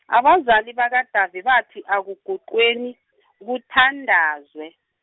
abazali bakaDavi bathi akuguqweni kuthandazwe.